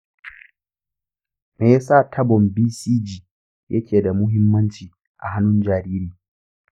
me ya sa tabon bcg yake da muhimmanci a hannun jariri?